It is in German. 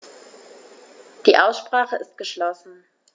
Die Aussprache ist geschlossen.